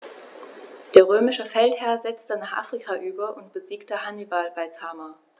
Der römische Feldherr setzte nach Afrika über und besiegte Hannibal bei Zama.